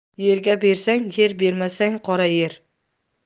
yerga bersang yer bermasang qora yer